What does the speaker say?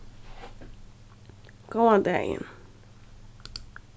góðan dagin